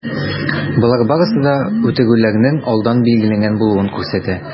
Болар барысы да үтерүләрнең алдан билгеләнгән булуын күрсәтә.